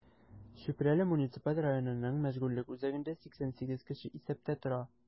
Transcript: Чүпрәле муниципаль районының мәшгульлек үзәгендә 88 кеше исәптә тора.